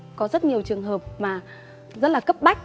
có rất nhiều trường hợp mà rất là cấp bách